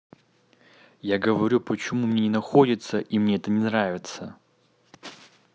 я говорю почему мне не находится и мне это не нравится